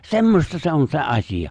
semmoista se on se asia